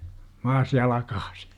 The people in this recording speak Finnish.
maassa jalkaisin